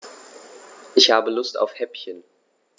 Ich habe Lust auf Häppchen.